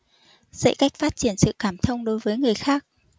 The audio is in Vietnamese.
dạy cách phát triển sự cảm thông đối với người khác